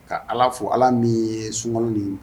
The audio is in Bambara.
Ka ala fo, ala min yee sunkalo in